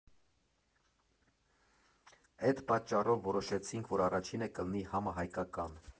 Էդ պատճառով որոշեցինք, որ առաջինը կլինի համահայկական։